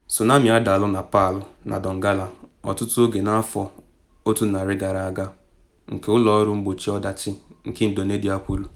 Tsunami adaala na Palu na Dongalla ọtụtụ oge n’afọ 100 gara aga, nke Ụlọ Ọrụ Mgbochi Ọdachi nke Indonedia kwuru.